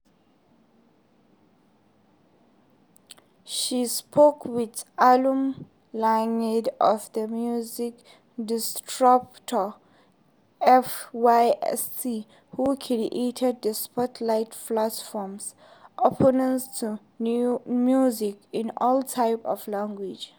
She spoke with Alun Llwyd of the music distributor PYST, who credited the Spotify platform's openness to music in all types of languages.